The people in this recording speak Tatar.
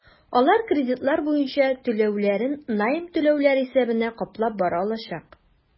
Алар кредитлар буенча түләүләрен найм түләүләре исәбенә каплап бара алачак.